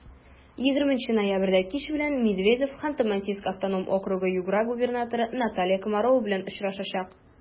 20 ноябрьдә кич белән медведев ханты-мансийск автоном округы-югра губернаторы наталья комарова белән очрашачак.